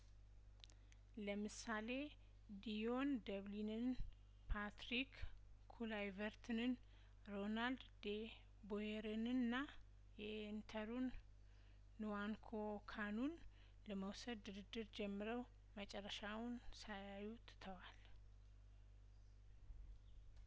ለምሳሌ ዲዮን ደብሊንን ፓትሪክ ኩላይቨርትንን ሮናልድ ዴቦዬርንና የኢንተሩንንዋንክዎ ካኑን ለመውሰድ ድርድር ጀምረው መጨረሻውን ሳያዩት ሞተዋል